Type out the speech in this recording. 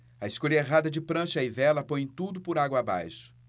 a escolha errada de prancha e vela põe tudo por água abaixo